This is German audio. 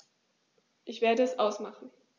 Ich werde es ausmachen